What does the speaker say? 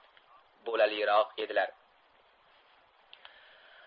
bo'laliroq edilar